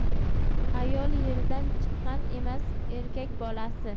ayol yerdan chiqqan emas erkak bolasi